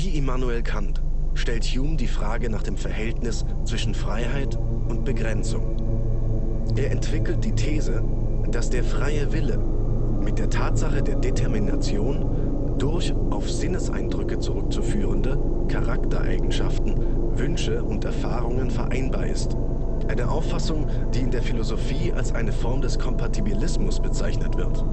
Immanuel Kant stellt Hume die Frage nach dem Verhältnis zwischen Freiheit und Begrenzung. Er entwickelt die These, dass der „ freie Wille “mit der Tatsache der Determination durch - auf Sinneseindrücke zurückzuführende - Charaktereigenschaften, Wünsche und Erfahrungen vereinbar ist, eine Auffassung, die in der Philosophie als eine Form des Kompatibilismus bezeichnet wird